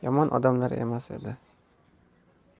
yomon odamlar emas edi